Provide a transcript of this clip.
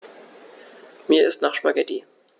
Mir ist nach Spaghetti.